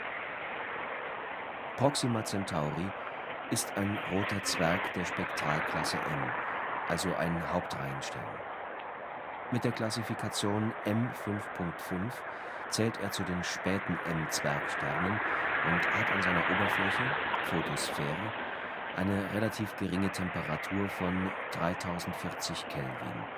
Proxima Centauri ist ein Roter Zwerg der Spektralklasse M, also ein Hauptreihenstern. Mit der Klassifikation M5.5 zählt er zu den späten M-Zwergsternen und hat an seiner Oberfläche (Photosphäre) eine relativ geringe Temperatur von 3040 K